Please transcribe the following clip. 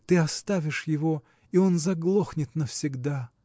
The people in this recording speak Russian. ты оставишь его – и он заглохнет навсегда.